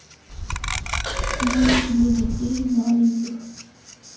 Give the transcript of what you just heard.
мультики для детей маленьких